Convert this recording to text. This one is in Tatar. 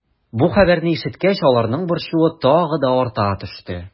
Бу хәбәрне ишеткәч, аларның борчуы тагы да арта төште.